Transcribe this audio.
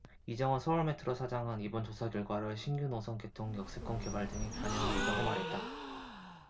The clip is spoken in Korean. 이정원 서울메트로 사장은 이번 조사 결과를 신규노선 개통 역세권 개발 등에 반영하겠다고 말했다